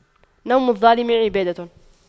نوم الظالم عبادة